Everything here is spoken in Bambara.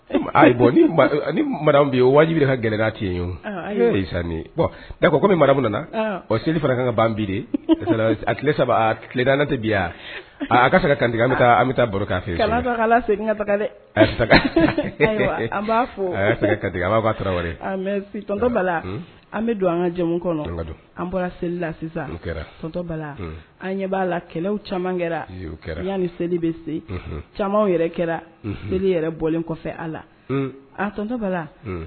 Ni bi wajibi bɛ ka gɛlɛ ti kɔmi mara min nana seli fana ka ka ban biri a tile saba tileda tɛ bi yan aaa a ka ka kantigɛ bɛ ta an bɛ taa baro' fɛ se saga b'a fɔba an bɛ don an ka jamu kɔnɔ an bɔra seli la sisan an ɲɛ b'a la kɛlɛ caman kɛra kɛra yan ni seli bɛ se caman yɛrɛ kɛra seli yɛrɛ bɔlen kɔfɛ a la atɔ bala